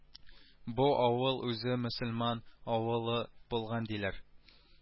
Бу авыл үзе мөселман авылы булган диләр